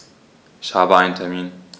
Ich habe einen Termin.